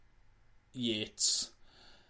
Yates.